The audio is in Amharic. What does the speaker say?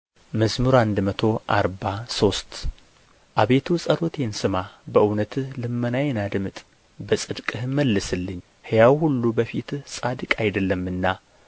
መዝሙር መቶ አርባ ሶስት አቤቱ ጸሎቴን ስማ በእውነትህ ልመናዬን አድምጥ በጽድቅህም መልስልኝ ሕያው ሁሉ በፊትህ ጻድቅ አይደለምና